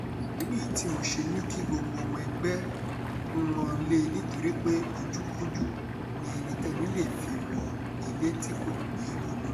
Ìdí nìyí tí mo ṣe ní kí gbogbo ọmọ ẹgbẹ́ pọ́n ọn lé nítorí pé ojúkójú ni ẹnikẹ́ni lè fi wo ilé tí kò ní olórí.